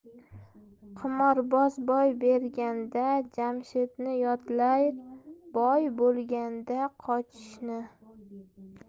qimorboz boy berganda jamshidni yodlar boy bo'lganda qochishni